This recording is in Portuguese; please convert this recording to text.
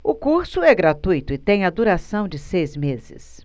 o curso é gratuito e tem a duração de seis meses